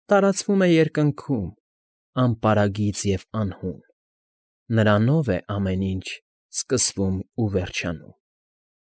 Տարածվում է երկնքում Անպարագիծ և անհուն, Նրանով է ամեն ինչ սկսվում և վերջանում։